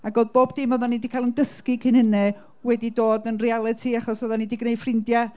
ac oedd pob dim oedden ni 'di cael ein dysgu cyn hynna wedi dod yn realiti, achos oedden ni 'di gwneud ffrindiau,